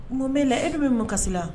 Mun b bɛ la e de bɛ mun kasisi la